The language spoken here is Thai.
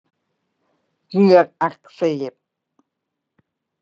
เหงือกอักเสบ